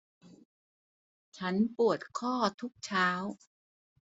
ฉันปวดข้อทุกเช้า